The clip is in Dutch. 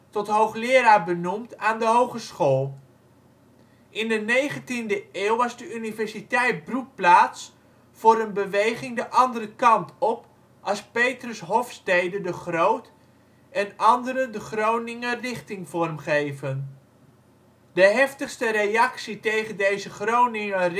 tot hoogleraar benoemd aan de hogeschool. In de negentiende eeuw was de universiteit broedplaats voor een beweging de andere kant op als Petrus Hofstede de Groot en anderen de Groninger richting vormgeven. De heftigste reactie tegen deze Groninger